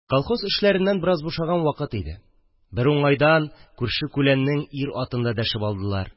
Колхоз эшләреннән бераз бушаган вакыт иде, бер уңайдан күрше-күләннең ир-атын да дәшеп алдылар